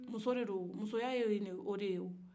muso de don musoya ye o de ye